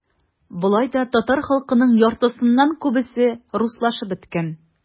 Болай да татар халкының яртысыннан күбесе - руслашып беткән.